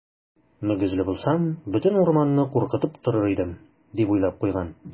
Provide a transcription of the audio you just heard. Мөгезле булсам, бөтен урманны куркытып торыр идем, - дип уйлап куйган.